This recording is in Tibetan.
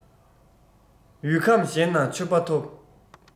ཡུལ ཁམས གཞན ན མཆོད པ ཐོབ